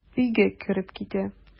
Өйгә кереп китә.